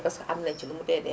parce que am nañu si lu mu dee dee